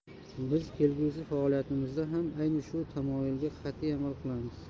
biz kelgusi faoliyatimizda ham ayni shu tamoyilga qat'iy amal qilamiz